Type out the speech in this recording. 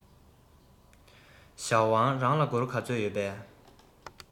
ཞའོ ཧྥང རང ལ སྒོར ག ཚོད ཡོད པས